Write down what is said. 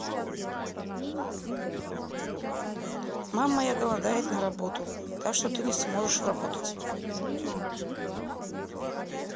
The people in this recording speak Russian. мама моя голодает на работу так что ты не сможешь работать